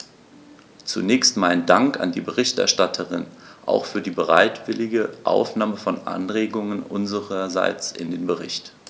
Zunächst meinen Dank an die Berichterstatterin, auch für die bereitwillige Aufnahme von Anregungen unsererseits in den Bericht.